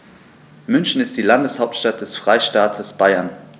München ist die Landeshauptstadt des Freistaates Bayern.